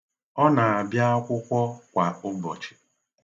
Ọ na-abịa akwụkwọ kwa ụbọchị